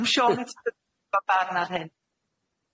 Ym Siôn ma' barn ar hyn.